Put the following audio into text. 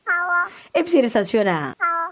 E bɛ su da